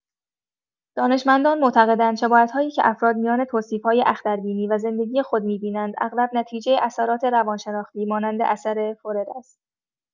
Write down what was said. دانشمندان معتقدند شباهت‌هایی که افراد میان توصیف‌های اختربینی و زندگی خود می‌بینند، اغلب نتیجه اثرات روان‌شناختی مانند «اثر فورر» است؛